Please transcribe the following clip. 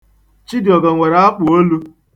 Chidịọgọ nwere akpụolu.